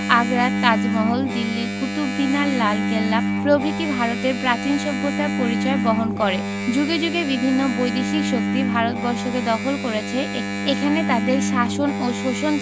আগ্রার তাজমহল দিল্লির কুতুব মিনার লালকেল্লা প্রভৃতি ভারতের প্রাচীন সভ্যতার পরিচয় বহন করেযুগে যুগে বিভিন্ন বৈদেশিক শক্তি ভারতবর্ষকে দখল করেছে এখানে তাদের শাসন ও শোষণ